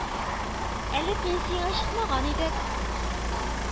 Әле пенсиягә чыкмаган идек.